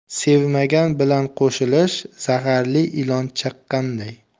sevmagan bilan qo'shilish zaharli ilon chaqqanday